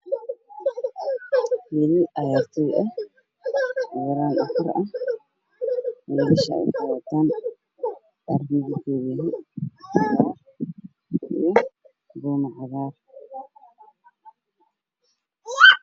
Wiilal ciyaartooy ah ugu yaraan afar ah wiilashan waxa ay wataan dhar ciyaartoy ah cagaar buluug iyo buumo cagaar ah